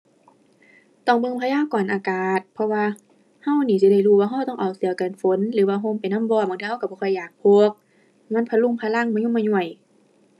ต้องเบิ่งพยากรณ์อากาศ เพราะว่าเรานี้สิได้รู้ว่าเราต้องเอาเสื้อกันฝนหรือว่าเราไปนำบ่ บางเทื่อเราเราบ่ค่อยอยากพก มันพะรุงพะรัง มะยุมมะย้วย